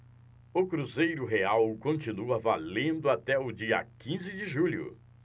o cruzeiro real continua valendo até o dia quinze de julho